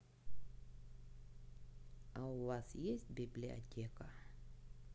а у вас есть библиотека